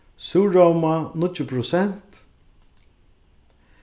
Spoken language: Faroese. súrróma níggju prosent